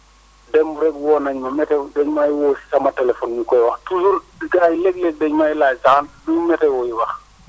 démb rek woo nañu ma météo dañu may woo si sama téléphone ñu koy wax toujours gars yi léeg-léeg dañu may laaj saxam lu météo yi wax